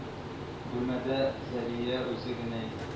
Бүлмәдә зәлия үзе генә иде